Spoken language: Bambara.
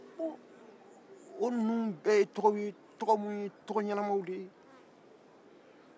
olu ye tɔgɔ ɲumanw de ye